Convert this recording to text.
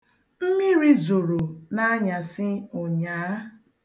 Mmiri zoro n'anyasị ụnyaa.